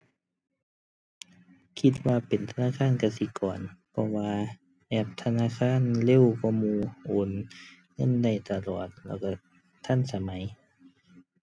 คิดว่าเป็นธนาคารกสิกร เพราะว่าแอปธนาคารเร็วกว่าหมู่ โอนเงินได้ตลอด แล้วก็ทันสมัย